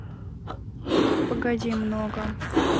погоди много